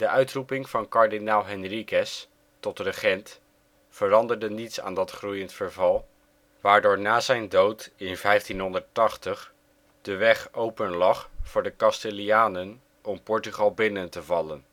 uitroeping van kardinaal Henriques tot regent veranderde niets aan dat groeiend verval, waardoor na zijn dood in 1580 de weg open lag voor de Castilianen om Portugal binnen te vallen